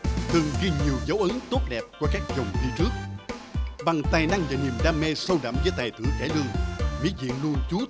thường ghi nhiều dấu ấn tốt đẹp qua các vòng thi trước bằng tài năng và niềm đam mê sâu đậm với tài tử cải lương mỹ diện luôn chú